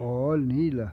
oli niillä